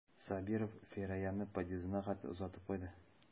Сабиров Фираяны подъездына хәтле озатып куйды.